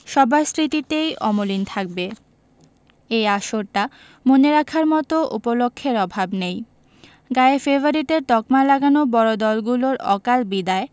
সবার স্মৃতিতেই অমলিন থাকবে এই আসরটা মনে রাখার মতো উপলক্ষের অভাব নেই গায়ে ফেভারিটের তকমা লাগানো বড় দলগুলোর অকাল বিদায়